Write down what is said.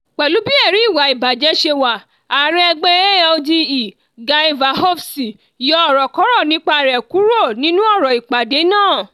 Pẹ̀lú bí ẹ̀rí ìwà ìbàjẹ́ ṣe wà, ààrẹ ẹgbẹ́ ALDE, Guy Verhofstdt, yọ ọ̀rọ̀kọrọ̀ nípa rẹ̀ kúrò nínú ọ̀rọ̀-ìpàdé náà.